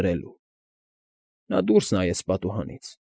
Կրելու։ Նա դուրս նայեց պատուհանից։